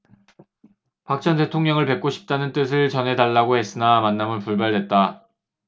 박 전 대통령을 뵙고 싶다는 뜻을 전해달라고 했으나 만남은 불발됐다